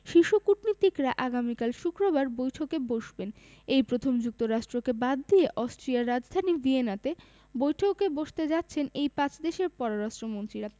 শীর্ষ কূটনীতিকরা আগামীকাল শুক্রবার বৈঠকে বসবেন এই প্রথম যুক্তরাষ্ট্রকে বাদ দিয়ে অস্ট্রিয়ার রাজধানী ভিয়েনাতে বৈঠকে বসতে যাচ্ছেন এই পাঁচ দেশের পররাষ্ট্রমন্ত্রীরা